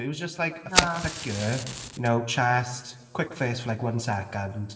It was just like... Na... here, you know, chest, a quick face for like, one second.